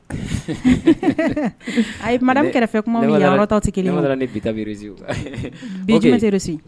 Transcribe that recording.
A kɛrɛfɛ bi